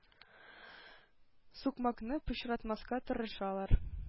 Сукмакны пычратмаска тырышалар.